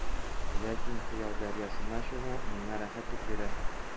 Ләкин хыял дәрьясына чуму миңа рәхәтлек бирә.